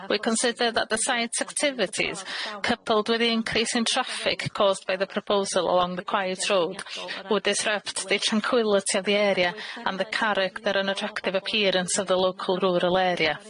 We consider that the science activities coupled with the increase in traffic caused by the proposal along the quiet road would disrupt the tranquillity of the area and the character and attractive appearance of the local rural area.